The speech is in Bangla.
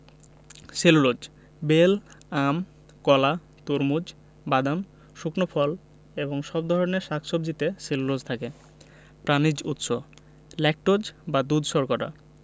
সেলুলোজ বেল আম কলা তরমুজ বাদাম শুকনো ফল এবং সব ধরনের শাক সবজিতে সেলুলোজ থাকে প্রানিজ উৎস ল্যাকটোজ বা দুধ শর্করা